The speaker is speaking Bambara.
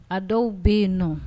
A dɔw bɛ yen nɔ